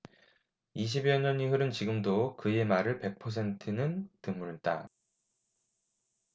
이십 여년이 흐른 지금도 그의 말을 백 퍼센트 는 드물다